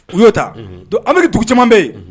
U y'o ta don awbiri dugu caman bɛ yen